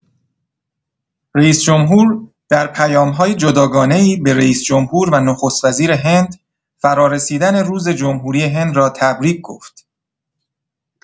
رئیس‌جمهور در پیام‌های جداگانه‌ای به رئیس‌جمهور و نخست‌وزیر هند، فرارسیدن روز جمهوری هند را تبریک گفت.